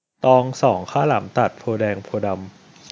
ตองสองข้าวหลามตัดโพธิ์แดงโพธิ์ดำ